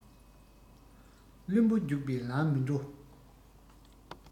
བློན པོ འཇུག པའི ལམ མི འགྲོ